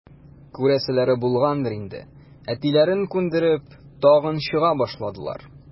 Күрәселәре булгандыр инде, әтиләрен күндереп, тагын чыга башладылар.